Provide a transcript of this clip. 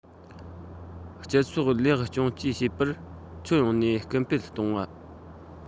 སྤྱི ཚོགས ལེགས སྐྱོང བཅས བྱེད པར ཁྱོན ཡོངས ནས སྐུལ སྤེལ གཏོང དགོས